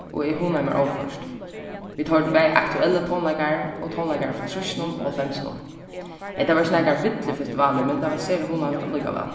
og eg hugnaði mær óført vit hoyrdu bæði aktuellar tónleikarar og tónleikarar frá trýssunum og hálvfemsunum hetta var ikki nakar villur festivalur men tað var sera hugnaligt allíkavæl